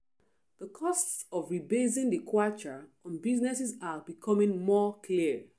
The costs of rebasing the Kwacha on businesses are becoming more clear.